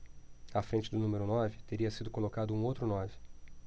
à frente do número nove teria sido colocado um outro nove